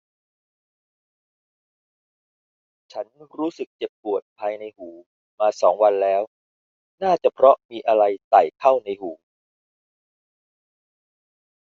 ฉันรู้สึกเจ็บปวดภายในหูมาสองวันแล้วน่าจะเพราะมีอะไรไต่เข้าในหู